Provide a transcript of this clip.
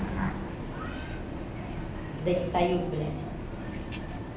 да не союз блядь